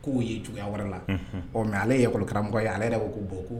K'u ye juguya wɛrɛ la ɔ mɛ ale ye kolokaramɔgɔ ye ale yɛrɛ ko bɔ